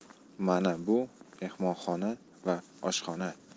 mana bu mehmonxona va oshxona